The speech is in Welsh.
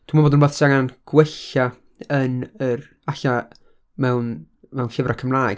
dwi'n meddwl bod o'n rywbeth sydd angen gwella yn yr, alle, mewn, mewn llyfrau Cymraeg.